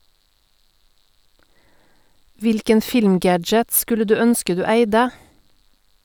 Hvilken film-gadget skulle du ønske du eide?